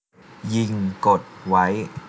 ยิงกดไว้